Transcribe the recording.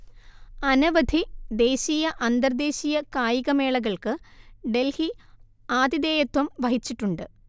അനവധി ദേശീയ അന്തർദേശീയ കായികമേളകൾക്ക് ഡെൽഹി ആതിഥേയത്വം വഹിച്ചിട്ടുണ്ട്